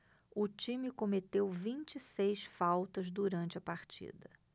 o time cometeu vinte e seis faltas durante a partida